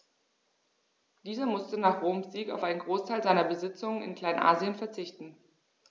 Dieser musste nach Roms Sieg auf einen Großteil seiner Besitzungen in Kleinasien verzichten.